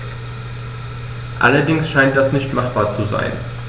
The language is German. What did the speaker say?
Allerdings scheint das nicht machbar zu sein.